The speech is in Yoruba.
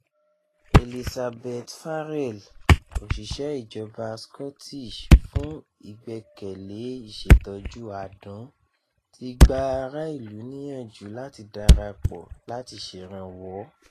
Elisabeth Ferrell, Òṣìṣẹ́ ìjọba Scottish fún Ìgbẹkẹ̀lé Ìṣètọ́jú Àdán, tí gba ara ilú níyànjú láti dárapọ̀ láti ṣèrànwọ.